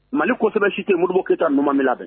Mali ko kosɛbɛ si tɛmurukɛyita ɲumanuman min